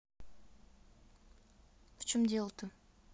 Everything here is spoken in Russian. в чем дело то